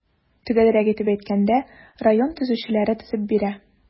Төгәлрәк итеп әйткәндә, район төзүчеләре төзеп бирә.